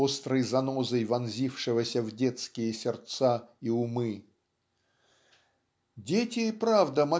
острой занозой вонзившегося в детские сердца и умы". Дети правда